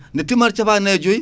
nde timmata capannayyi e joyyi